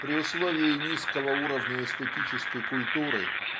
при условии низкого уровня эстетической культуры